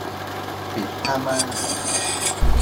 ปิดผ้าม่าน